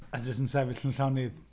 A jyst yn sefyll yn llonydd.